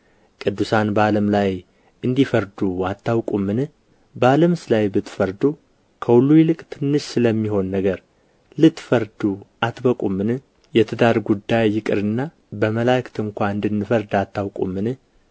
ቅዱሳን በዓለም ላይ እንዲፈርዱ አታውቁምን በዓለምስ ላይ ብትፈርዱ ከሁሉ ይልቅ ትንሽ ስለሚሆን ነገር ልትፈርዱ አትበቁምን የትዳር ጉዳይ ይቅርና በመላእክት እንኳ እንድንፈርድ አታውቁምን